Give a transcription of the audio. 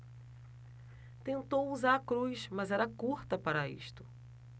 tentou usar a cruz mas era curta para isto